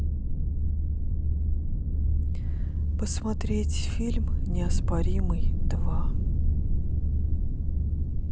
посмотреть фильм неоспоримый два